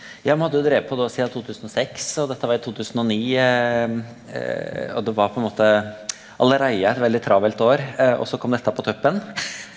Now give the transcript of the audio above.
ja me hadde jo drive på da sia totusenogseks, og dette var i 2009 og det var på ein måte allereie eit veldig travelt år og så kom dette på toppen.